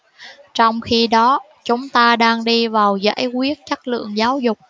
trong khi đó chúng ta đang đi vào giải quyết chất lượng giáo dục